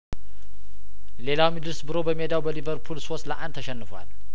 ሌላው ሚድ ስብሮ በሜዳው በሊቨርፑል ሶስ ለአንድ ተሸንፏል